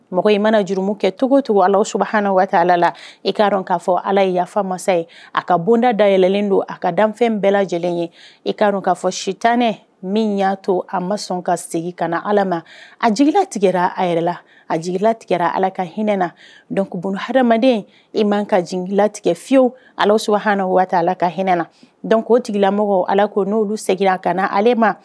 Mɔgɔ in mana jurumu kɛ cogo to alasu huna ala la i k kaa dɔn kaa fɔ ala ye yafafa masa ye a ka bonda da yɛlɛlen don a ka dan bɛɛ lajɛlen ye i kaa k'a fɔ sitanɛ min y'a to a ma sɔn ka segin kana ala ma a jigilatigɛra a yɛrɛ la a jigila tigɛra ala ka hinɛ na donkubu hadamadama i man ka jigilatigɛ fiyewu ala su hana ka hinɛ na dɔnku o tigilamɔgɔ ala ko n'olu seginnara kana ale ma